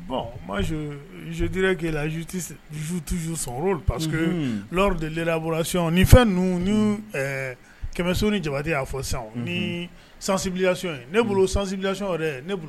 Z pa que la de le boloɔn ni fɛn ninnu ni kɛmɛso ni jabati y'a fɔ sisan ni sansibilasiɔn ne bolo sansinbilay yɛrɛ bolo